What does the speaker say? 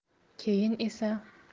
keyin esa